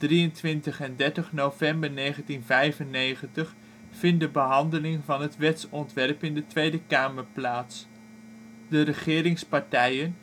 30 november 1995 vindt de behandeling van het wetsontwerp in de Tweede Kamer plaats. De regeringspartijen